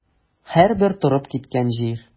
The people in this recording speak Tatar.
Һәрбер торып киткән җир.